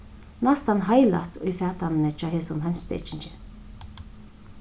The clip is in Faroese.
næstan heilagt í fatanini hjá hesum heimspekingi